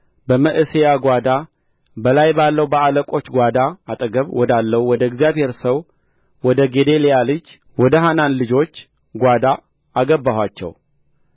በመዕሤያ ጓዳ በላይ ባለው በአለቆች ጓዳ አጠገብ ወዳለው ወደ እግዚአብሔር ሰው ወደ ጌዴልያ ልጅ ወደ ሐናን ልጆች ጓዳ አገባኋቸው